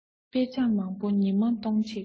དཔེ ཆ མང བོ ཉི མ གཏོང བྱེད འདྲ